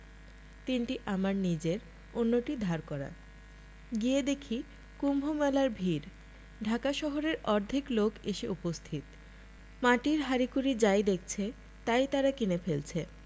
তিনটি আমার নিজের অন্যটি ধার করা গিয়ে দেখি কুম্ভমেলার ভিড় ঢাকা শহরের অর্ধেক লোক এসে উপস্থিত মাটির হাঁড়িকুরি মাই দেখছে তাই তার কিনে ফেলছে